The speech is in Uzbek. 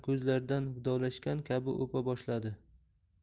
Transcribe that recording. ko'zlaridan vidolashgan kabi o'pa boshladi